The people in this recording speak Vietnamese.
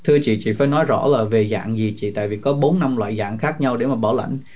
thưa chị chị phải nói rõ là về dạng gì chị tại vì có bốn năm loại dạng khác nhau để bảo lãnh